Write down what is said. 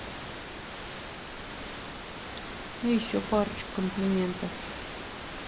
а еще парочку комплиментов